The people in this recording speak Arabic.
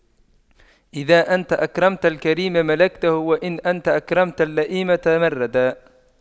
إذا أنت أكرمت الكريم ملكته وإن أنت أكرمت اللئيم تمردا